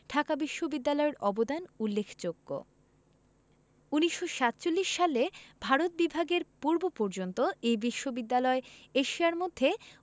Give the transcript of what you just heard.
ঢাকা বিশ্ববিদ্যালয়ের অবদান উল্লেখযোগ্য ১৯৪৭ সালে ভারত বিভাগের পূর্বপর্যন্ত এ বিশ্ববিদ্যালয় এশিয়ার মধ্যে